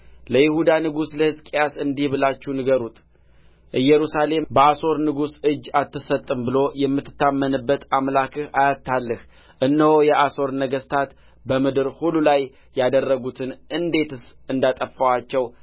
ለይሁዳ ንጉሥ ለሕዝቅያስ እንዲህ ብላችሁ ንገሩት ኢየሩሳሌም በአሦር ንጉሥ እጅ አትሰጥም ብሎ የምትታመንበት አምላክህ አያታልልህ እነሆ የአሦር ነገሥታት በምድር ሁሉ ላይ ያደረጉትን እንዴትስ እንዳጠፋአቸው